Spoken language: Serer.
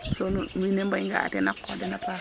so win we mbay ga'a tena qox dena paax